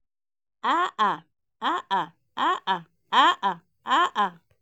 “A’a, a’a, a’a, a’a, a’a.